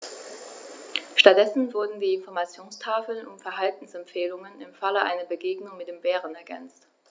Stattdessen wurden die Informationstafeln um Verhaltensempfehlungen im Falle einer Begegnung mit dem Bären ergänzt.